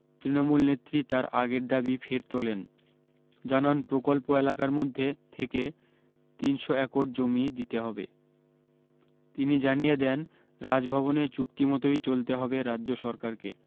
তৃণমূল নেত্রী তার আগের দাবী ফের তোলেন জানান প্রকল্প এলাকার মধ্যে থেকে তিনশ একর জমি দিতে হবে তিনি জানিয়ে দেন রাজভবনে চুক্তি মতোই চলতে হবে রাজ্য সরকারকে